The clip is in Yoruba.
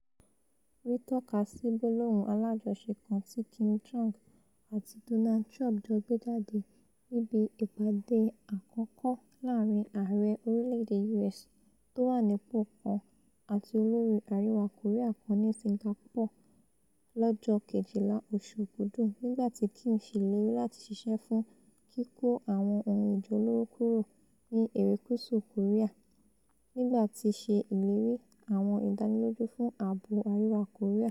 Ri tọ́kasí gbólóhùn alájọṣe kan ti Kim Jong Un àti Donald Trump jọ gbéjáde níbi ìpàdé àkọ́kọ́ láàrin ààrẹ orílẹ̀-èdè U.S. tówànípò kan àti olórí Àríwá Kòríà kan ní Singapore lọ́jọ́ kejìlá oṣù Òkúdu, nígbà tí Kim ṣe ìlérí láti ṣiṣẹ́ fún ''kíkó àwọn ohun ìjà olóró kúrò ni erékùsù Kòríà'' nígbà tí ṣe ìlérí àwọn ìdánilójú fún ààbò Àríwá Kòríà.